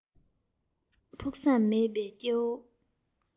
ཕུགས བསམ མེད པའི སྐྱེ བོ